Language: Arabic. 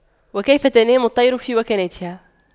وكيف تنام الطير في وكناتها